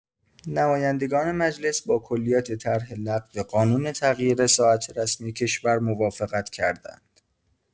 نمایندگان مجلس با کلیات طرح لغو قانون تغییر ساعت رسمی کشور موافقت کردند.